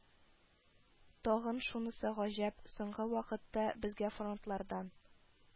Тагын шунысы гаҗәп: соңгы вакытта безгә фронтлардан